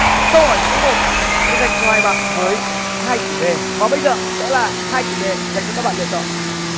câu hỏi số một sẽ dành cho hai bạn với hai chủ đề và bây giờ sẽ là hai chủ đề dành cho các bạn lựa chọn